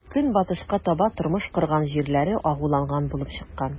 Көнбатышка таба тормыш корган җирләре агуланган булып чыккан.